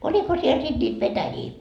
oliko siellä sitten niitä petäjiä